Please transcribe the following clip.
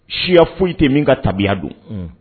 Siya foyi tɛ yen, min ka tabiya don.